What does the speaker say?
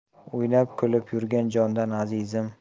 o'ynab kulib yurgan jondan azizim